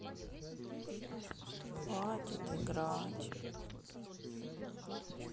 хватит играть